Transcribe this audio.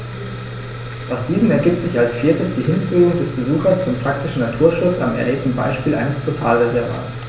Aus diesen ergibt sich als viertes die Hinführung des Besuchers zum praktischen Naturschutz am erlebten Beispiel eines Totalreservats.